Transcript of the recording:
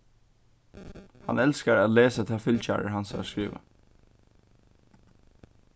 hann elskar at lesa tað fylgjarar hansara skriva